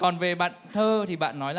vòn về bạn thơ thì bạn nói